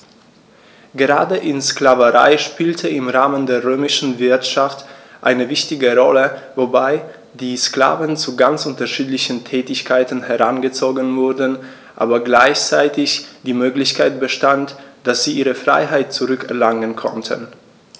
Gerade die Sklaverei spielte im Rahmen der römischen Wirtschaft eine wichtige Rolle, wobei die Sklaven zu ganz unterschiedlichen Tätigkeiten herangezogen wurden, aber gleichzeitig die Möglichkeit bestand, dass sie ihre Freiheit zurück erlangen konnten.